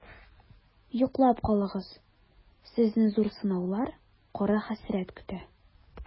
Йоклап калыгыз, сезне зур сынаулар, кара хәсрәт көтә.